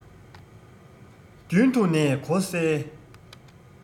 རྒྱུན དུ ནས གོ གསལ